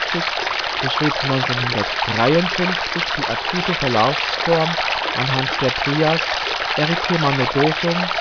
1953 die akute Verlaufsform anhand der Trias Erythema nodosum